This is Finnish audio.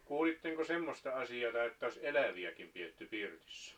kuulitteko semmoista asiaa että olisi eläviäkin pidetty pirtissä